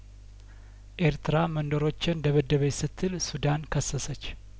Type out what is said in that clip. ኤርትራ መንደሮቼን ደበደበች ስትል ሱዳን ከሰሰች